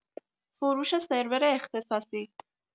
فروش سرور اختصاصی